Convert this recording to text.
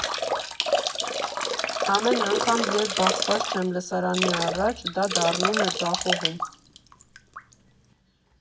Ամեն անգամ, երբ բացված չեմ լսարանի առաջ, դա դառնում է ձախողում։